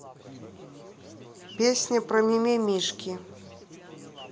песня про мимимишки